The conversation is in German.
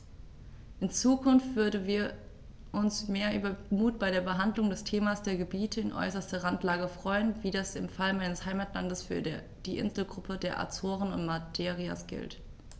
In Zukunft würden wir uns über mehr Mut bei der Behandlung des Themas der Gebiete in äußerster Randlage freuen, wie das im Fall meines Heimatlandes für die Inselgruppen der Azoren und Madeiras gilt.